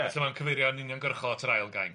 Felly mae'n cyfeirio yn uniongyrchol at yr ail gainc.